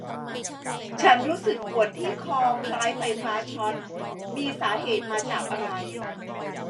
ฉันรู้สึกปวดที่คอคล้ายไฟฟ้าช็อตมีสาเหตุมากจากอะไร